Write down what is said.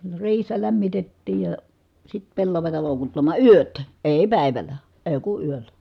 ne riihessä lämmitettiin ja sitten pellavaa loukuttamaan yöt ei päivällä ei kun yöllä